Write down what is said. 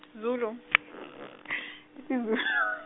Zulu isiZu- .